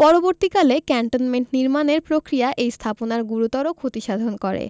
পরবর্তীকালে ক্যান্টনমেন্ট নির্মাণের প্রক্রিয়া এই স্থাপনার গুরুতর ক্ষতিসাধন করে